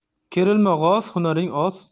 kerilma g'oz hunaring oz